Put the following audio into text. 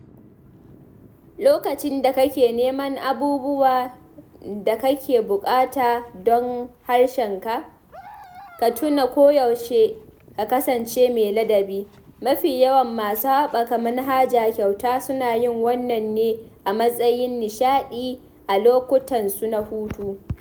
Lokacin da kake neman abubuwa da kake buƙata don harshenka, ka tuna koyaushe ka kasance mai ladabi — mafi yawan masu haɓaka manhaja kyauta suna yin wannan ne a matsayin nishaɗi a lokutan su na hutu.